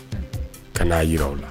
Ka'a jiraw la